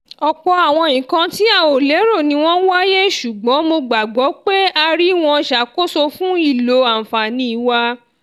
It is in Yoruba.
Ọ̀pọ̀ àwọn nǹkan tí a ò lérò ní wọ́n wáyé, ṣùgbọ́n mo gbàgbọ́ pé a rí wọn ṣàkóso fún ìlò àǹfààní wa.